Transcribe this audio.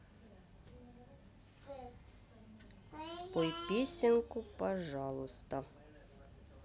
спой песенку пожалуйста